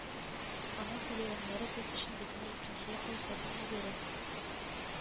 Аның сөйләгәннәре суд эшен бөтенләй икенче якка үзгәртеп җибәрә